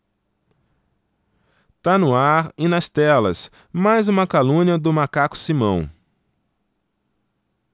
tá no ar e nas telas mais uma calúnia do macaco simão